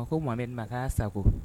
A ko ma bɛ na sagokɔ